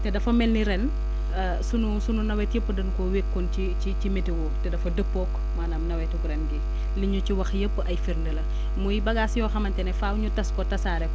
te dafa mel ni ren sunu sunu nawet yëpp dañ koo wékkoon ci ci ci météo te dafa dëppoog maanaam nawetug ren gii li ñu ci wax yëpp ay firnde la muy bagages yoo xamante ne faaw ñu tas ko tasaare ko